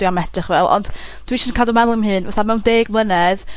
dwi am edrych fel, ond, dwi 'ys' yn cadw yn me'wl 'yn hun fatha mewn deg mlynedd